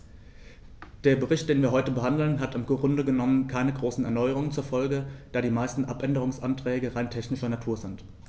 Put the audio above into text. Der Bericht, den wir heute behandeln, hat im Grunde genommen keine großen Erneuerungen zur Folge, da die meisten Abänderungsanträge rein technischer Natur sind.